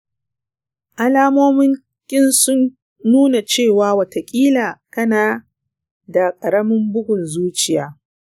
alamomin kin sun nuna cewa watakila kanada karamin bugun zuciya.